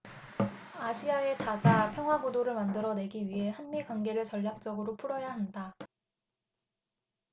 아시아의 다자 평화구도를 만들어 내기 위해 한 미 관계를 전략적으로 풀어야 한다